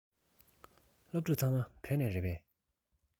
སློབ ཕྲུག ཚང མ བོད ལྗོངས ནས རེད པས